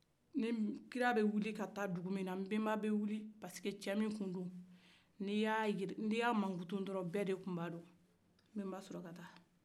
nin kira kun bɛ taa dugu min na nbenba bɛ wili sabula cɛ min don ni ya mankutun drɔn bɛ de kun b'a don nbenba sulakata